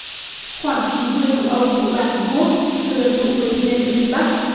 khoảng chín mươi cụ ông cụ bà hàn quốc được đoàn tụ với thân nhân ở phía bắc